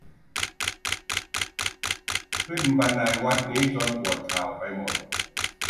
ขึ้นบันไดวัดนี้จนปวดเข่าไปหมด